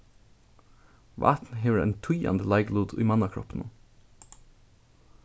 vatn hevur ein týðandi leiklut í mannakroppinum